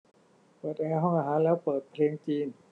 เปิดแอร์ห้องอาหารแล้วเปิดเพลงจีน